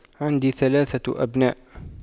عندي ثلاثة أبناء